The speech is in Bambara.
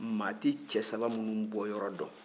maa tɛ cɛ saba minnu bɔyɔrɔ dɔn